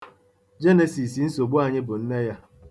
Jenesis nsogbu anyị bụ nne ya.